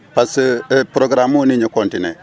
parce que moo ne ñu continué